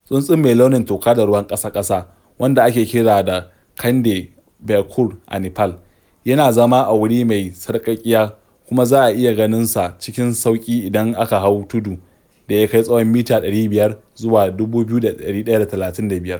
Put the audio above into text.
Tsuntsun mai launin toka da ruwan ƙasa-ƙasa, wanda ake kira da Kaande Bhyakur a Nepali, yana zama a wuri mai sarƙaƙiya kuma za a iya ganin sa cikin sauƙi idan aka hau tudu da ya kai tsawo mita 500 zuwa 2135.